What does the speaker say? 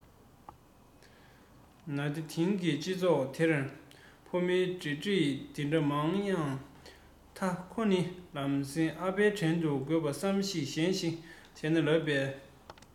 ན ཏེ དེང གི སྤྱི ཚོགས དེར ཕོ མོའི འབྲེལ འདྲིས འདི འདྲ མང ཡང མཐའ ཁོ ནི ལམ སེང ཨ ཕའི དྲན རྒྱུ དགོས པ བསམ གཞིག གཞན ཞིག བྱས ན ལབ པས